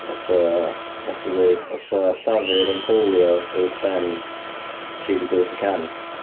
Wnaeth o wnaeth o ddeud os 'sa llafur yn powlio uwchben tri deg wyth y cant...